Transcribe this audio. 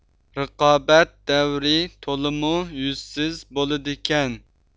رىقابەت دەۋرى تولىمۇ يۈزسىز بولىدىكەن